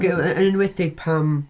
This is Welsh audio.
Yy yy yn enwedig pam...